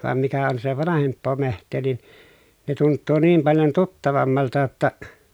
vaan mikä on sitä vanhempaa metsää niin ne tuntuu niin paljon tuttavammalta jotta